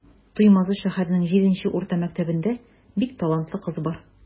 Туймазы шәһәренең 7 нче урта мәктәбендә бик талантлы кыз бар.